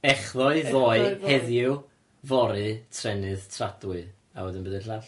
Echddoe ddoe heddiw fory trennydd tradwy a wedyn be' 'di'r llall?